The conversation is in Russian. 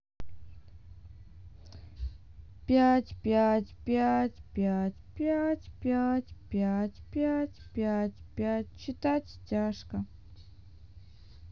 пять пять пять пять пять пять пять пять пять пять читать тяжко